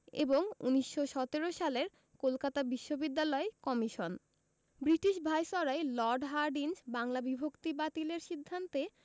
এবং ১৯১৭ সালের কলকাতা বিশ্ববিদ্যালয় commission British viceroy Lord Hardinge Bangla বিভক্তি বাতিলের সিদ্ধান্তে